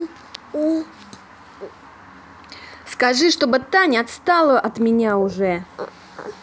скажи чтобы таня отстала от меня уже